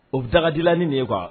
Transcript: O bɛ daga dilanla nin ye wa